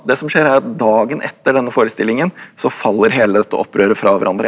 det som skjer er at dagen etter denne forestillingen så faller hele dette opprøret fra hverandre.